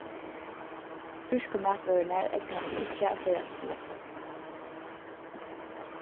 frísku matvørurnar egna seg ikki at ferðast so langt